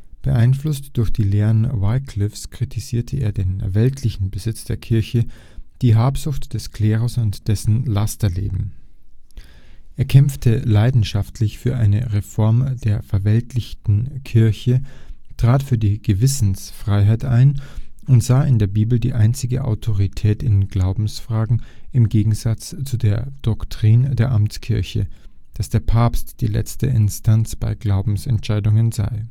Beeinflusst durch die Lehren Wyclifs kritisierte er den weltlichen Besitz der Kirche, die Habsucht des Klerus und dessen Lasterleben. Er kämpfte leidenschaftlich für eine Reform der verweltlichten Kirche, trat für die Gewissensfreiheit ein und sah in der Bibel die einzige Autorität in Glaubensfragen, im Gegensatz zu der Doktrin der Amtskirche, dass der Papst die letzte Instanz bei Glaubensentscheidungen sei